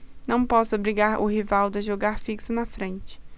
não posso obrigar o rivaldo a jogar fixo na frente